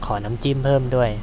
ขอน้ำจิ้มเพิ่มด้วย